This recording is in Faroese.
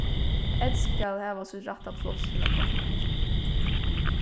ð skal hava sítt rætta pláss til ein konfirmant